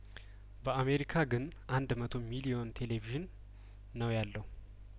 በአሜሪካ ግን አንድ መቶ ሚሊዮን ቴሌቪዥን ነው ያለው